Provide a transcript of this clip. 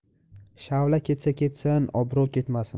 shavla ketsa ketsin obro' ketmasin